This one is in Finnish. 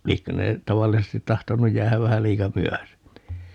liekö ne tavallisesti tahtonut jäädä vähän liika myöhäiseksi niin